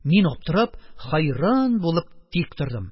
Мин аптырап, хәйран булып тик тордым.